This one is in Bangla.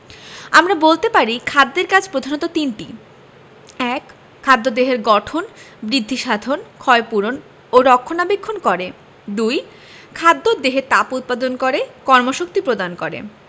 আমরা বলতে পারি খাদ্যের কাজ প্রধানত তিনটি ১. খাদ্য দেহের গঠন বৃদ্ধিসাধন ক্ষয়পূরণ ও রক্ষণাবেক্ষণ করে ২. খাদ্য দেহে তাপ উৎপাদন করে কর্মশক্তি প্রদান করে